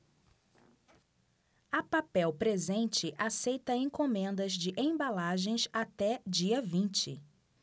a papel presente aceita encomendas de embalagens até dia vinte